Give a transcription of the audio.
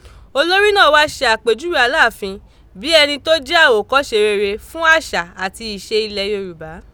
Olorì náà wá ṣe àpèjúwe Aláàfin bii ẹni tó jẹ́ àwòkọ́ṣe rere fún àṣà àti ìṣe ilẹ̀ Yorùbá.